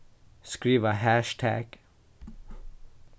skriva hassjtagg